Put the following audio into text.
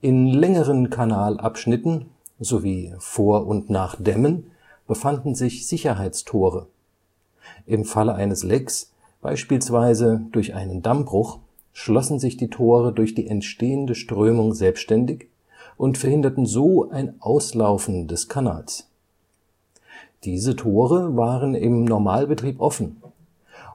In längeren Kanalabschnitten sowie vor und nach Dämmen befanden sich Sicherheitstore. Im Falle eines Lecks, beispielsweise durch einen Dammbruch, schlossen sich die Tore durch die entstehende Strömung selbständig und verhinderten so ein Auslaufen des Kanals. Diese Tore waren im Normalbetrieb offen,